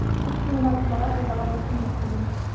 Бу семинар үзара файдалы булсын дип телим.